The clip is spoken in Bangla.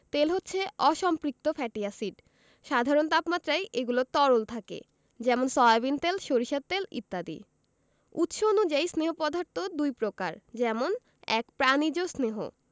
তেল হচ্ছে অসম্পৃক্ত ফ্যাটি এসিড সাধারণ তাপমাত্রায় এগুলো তরল থাকে যেমন সয়াবিন তেল সরিষার তেল ইত্যাদি উৎস অনুযায়ী স্নেহ পদার্থ দুই প্রকার যেমন ১. প্রাণিজ স্নেহ